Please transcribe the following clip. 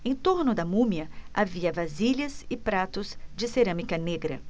em torno da múmia havia vasilhas e pratos de cerâmica negra